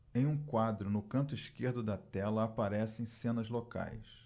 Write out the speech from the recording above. em um quadro no canto esquerdo da tela aparecem cenas locais